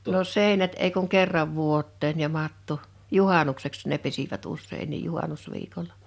no seinät ei kuin kerran vuoteen ja matto juhannukseksi ne pesivät useinkin juhannusviikolla